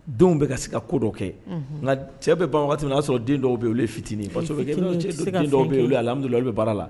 Denw bɛ ka se ka ko dɔ kɛ nka cɛ bɛ ban waati min y'a sɔrɔ den dɔw bɛ o fitinin bɛ bɛ baara la